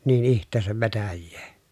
niin itseensä vetäisee